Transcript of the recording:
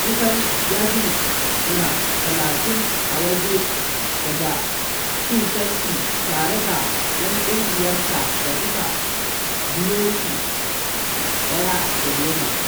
kusan yadina 30 a waje daga cin Chelsea tare da ‘yan ƙungiyarsa da suke biye ci 1 da 0.